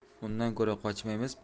undan ko'ra qochmaymiz